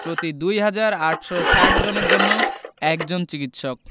প্রতি ২হাজার ৮৬০ জনের জন্য একজন চিকিৎসক